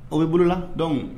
O bɛ bolola dɔn